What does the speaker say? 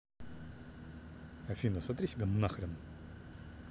афина сотри себя нахрен